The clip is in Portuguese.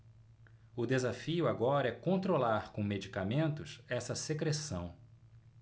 o desafio agora é controlar com medicamentos essa secreção